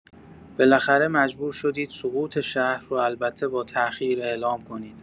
بالاخره مجبور شدید سقوط شهر رو البته با تاخیر اعلام کنید